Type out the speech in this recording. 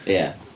Ia.